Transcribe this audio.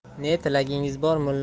ne tilagingiz bor